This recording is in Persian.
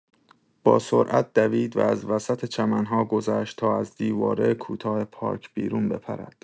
با سرعت دوید و از وسط چمن‌ها گذشت تا از دیواره کوتاه پارک بیرون بپرد.